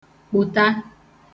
kpụ̀ta